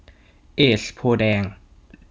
เอซโพธิ์แดง